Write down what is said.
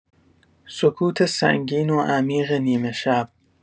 سکوت سنگین و عمیق نیمه‌شب